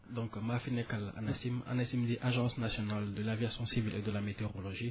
donc maa fi nekkal ANACIM ANACIM di agence national de l' aviation civile et de la météorologie